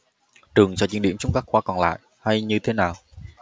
trường sẽ chuyển điểm xuống các khoa còn lại hay như thế nào